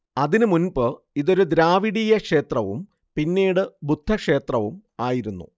അതിനുമുൻപ് ഇതൊരു ദ്രാവിഡീയക്ഷേത്രവും പിന്നീട് ബുദ്ധക്ഷേത്രവും ആയിരുന്നു